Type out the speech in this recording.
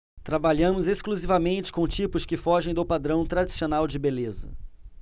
trabalhamos exclusivamente com tipos que fogem do padrão tradicional de beleza